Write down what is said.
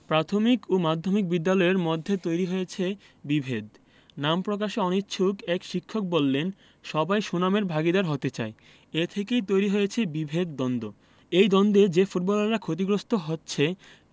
প্রাথমিক ও মাধ্যমিক বিদ্যালয়ের মধ্যে তৈরি হয়েছে বিভেদ নাম প্রকাশে অনিচ্ছুক এক শিক্ষক বললেন সবাই সুনামের ভাগীদার হতে চায় এ থেকেই তৈরি হয়েছে বিভেদ দ্বন্দ্ব এই দ্বন্দ্বে যে ফুটবলাররা ক্ষতিগ্রস্ত হচ্ছে